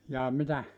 jaa mitä